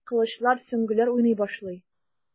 Кылычлар, сөңгеләр уйный башлый.